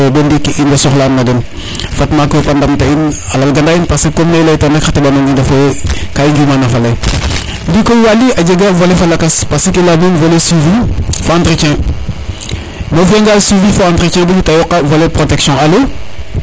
to bo ndiik in way soxla an na den fat maak we fopa ndamta in a lal gana in parce que comme ne ley tuna rek xa teɓa toong i ndefu yo ka i njouma no faley ndikoy Waly a jega volet :gfra fa lakas parce que i leya nuun volet suivi fo entretien mai o fiya nga volet suivi fo entretien bo ƴut yoqa volet protection